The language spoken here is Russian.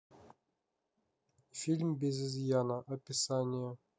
фильм без изъяна описание